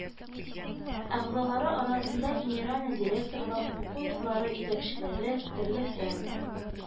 Әгъзалары арасында генеральный директорлар, уку йортлары итәкчеләре, төрле фән